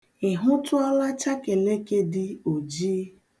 Ị hụtụọla chakeleke dị oji?